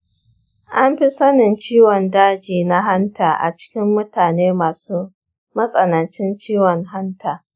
anfi sanin ciwon daji na hanta a cikin mutane masu matsanancin ciwon hanta.